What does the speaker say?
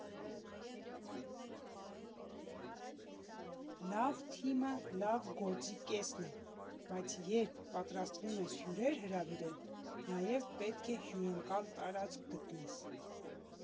Լավ թիմը լավ գործի կեսն է, բայց երբ պատրաստվում ես հյուրեր հրավիրել, նաև պետք է հյուրընկալ տարածք գտնես։